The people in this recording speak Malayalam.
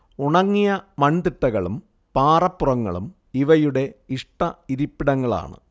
ഉണങ്ങിയ മൺതിട്ടകളും പാറപ്പുറങ്ങളും ഇവയുടെ ഇഷ്ട ഇരിപ്പിടങ്ങളാണ്